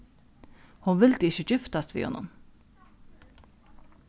hon vildi ikki giftast við honum